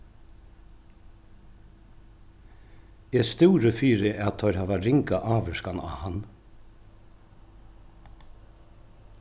eg stúri fyri at teir hava ringa ávirkan á hann